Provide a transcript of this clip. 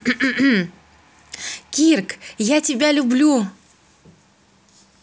kirk я тебя люблю